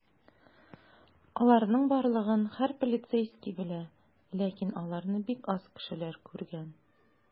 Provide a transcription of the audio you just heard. Аларның барлыгын һәр полицейский белә, ләкин аларны бик аз кешеләр күргән.